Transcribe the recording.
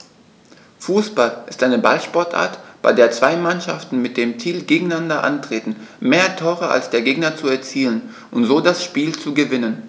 Fußball ist eine Ballsportart, bei der zwei Mannschaften mit dem Ziel gegeneinander antreten, mehr Tore als der Gegner zu erzielen und so das Spiel zu gewinnen.